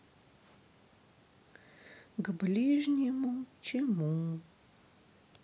к ближнему чему